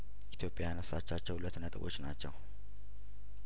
ኢትዮጵያ ያነሳቻቸው ሁለት ነጥቦች ናቸው